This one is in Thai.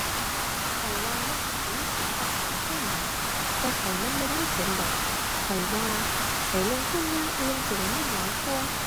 ข้อยว่ามันก็สิมีผลกับบางคนล่ะ แต่ข้อยมันบ่มีผลดอก ข้อยว่าไปลงทุนอย่างอื่น สิได้เงินหลายกว่า